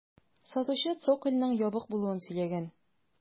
Сатучы цокольның ябык булуын сөйләгән.